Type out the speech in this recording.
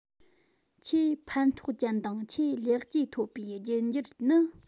ཆེས ཕན ཐོགས ཅན དང ཆེས ལེགས བཅོས ཐོབ པའི རྒྱུད འགྱུར ནི